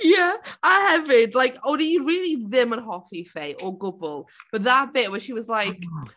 Ie a hefyd like o'n ni rili ddim yn hoffi Fay o gwbl but that bit where she was like...